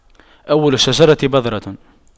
أول الشجرة بذرة